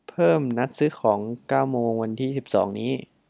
เพิ่มนัดซื้อของเก้าโมงวันที่สิบสองนี้